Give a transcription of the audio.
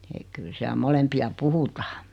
että kyllä siellä molempia puhutaan